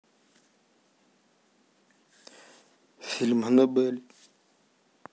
фильм аннабель